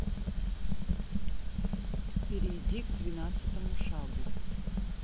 перейди к двенадцатому шагу